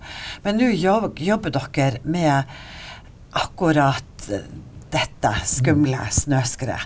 men nå jobber dere med akkurat dette skumle snøskred.